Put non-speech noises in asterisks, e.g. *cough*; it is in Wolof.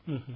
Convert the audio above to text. *hesitation* *hesitation*